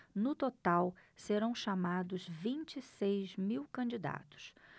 no total serão chamados vinte e seis mil candidatos